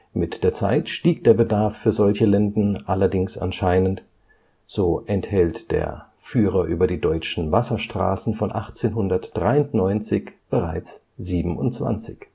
Mit der Zeit stieg der Bedarf für solche Länden allerdings anscheinend, so enthlt der Führer über die deutschen Wasserstraßen von 1893 bereits 27.